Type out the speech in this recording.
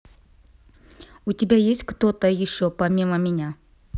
у тебя есть кто то еще помимо меня